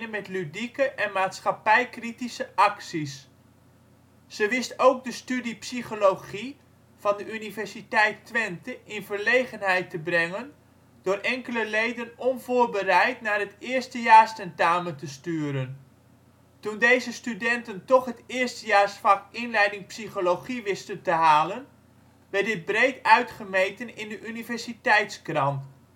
met ludieke en maatschappij-kritische acties. Ze wist ook de studie Psychologie van de Universiteit Twente in verlegenheid te brengen door enkele leden onvoorbereid naar het eerstejaars tentamen te sturen. Toen deze studenten toch het eerstejaars vak Inleiding Psychologie wisten te halen, werd dit breed uitgemeten in de Universiteitskrant